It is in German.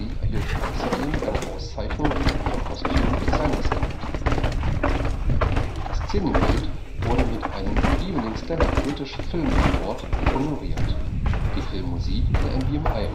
erhielt außerdem eine Auszeichnung der Costume Designers Guild. Das Szenenbild wurde mit einem Evening Standard British Film Award honoriert, die Filmmusik mit einem BMI Award